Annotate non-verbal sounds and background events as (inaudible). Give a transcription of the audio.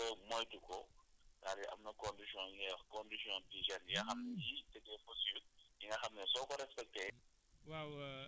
pour nga moytu ko c' est à dire am na conditions yi ngay wax conditions d' hygène (noise) yi nga xam ne yi c' est des postures yi nga xam ne soo ko respecté